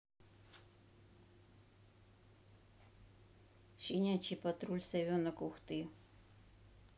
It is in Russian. щенячий патруль совенок ухты